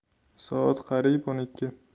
soat qariyb o'n ikki